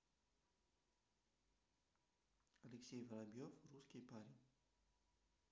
алексей воробьев русский парень